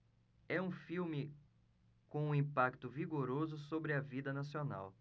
é um filme com um impacto vigoroso sobre a vida nacional